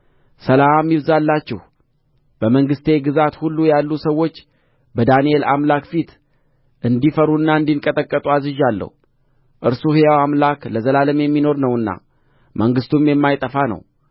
ሰላም ይብዛላችሁ በመንግሥቴ ግዛት ሁሉ ያሉ ሰዎች በዳንኤል አምላክ ፊት እንዲፈሩና እንዲንቀጠቀጡ አዝዣለሁ እርሱ ሕያው አምላክ ለዘላለም የሚኖር ነውና መንግሥቱም የማይጠፋ ነው